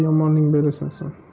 yomonning beli sinsin